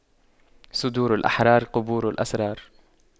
صدور الأحرار قبور الأسرار